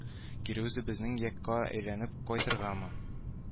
Кире үзебезнең якка әйләнеп кайтыргамы